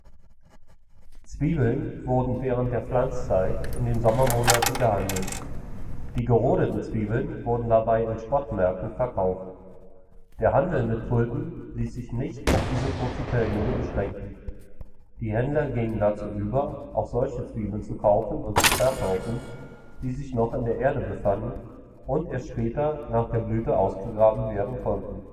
Zwiebeln wurden während der Pflanzzeit in den Sommermonaten gehandelt. Die gerodeten Zwiebeln wurden dabei in Spotmärkten verkauft. Der Handel mit Tulpen ließ sich nicht auf diese kurze Periode beschränken. Die Händler gingen dazu über, auch solche Zwiebeln zu kaufen und zu verkaufen, die sich noch in der Erde befanden und erst später, nach der Blüte, ausgegraben werden konnten